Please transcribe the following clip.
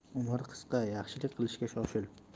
umr qisqa yaxshilik qilishga shoshil